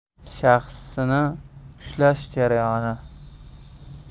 shaxsni ushlash jarayoni